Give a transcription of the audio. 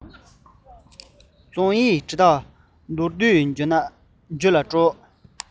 རྩོམ ཡིག འབྲི ཐབས མདོར བསྡུས བརྗོད ལ སྤྲོ